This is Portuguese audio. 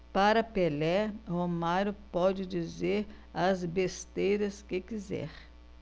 para pelé romário pode dizer as besteiras que quiser